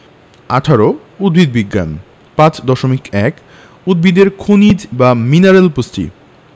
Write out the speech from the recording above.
১৮ উদ্ভিদ বিজ্ঞান 5.1 উদ্ভিদের খনিজ বা মিনারেল পুষ্টি